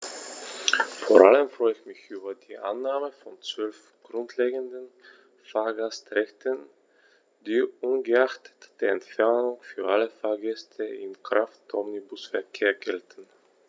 Vor allem freue ich mich über die Annahme von 12 grundlegenden Fahrgastrechten, die ungeachtet der Entfernung für alle Fahrgäste im Kraftomnibusverkehr gelten.